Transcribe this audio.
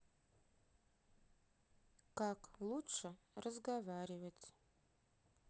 как лучше разговаривать